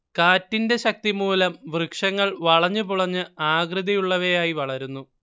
കാറ്റിന്റെ ശക്തിമൂലം വൃക്ഷങ്ങൾ വളഞ്ഞുപുളഞ്ഞ ആകൃതിയുള്ളവയായി വളരുന്നു